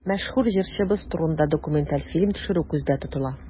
Мәшһүр җырчыбыз турында документаль фильм төшерү күздә тотыла.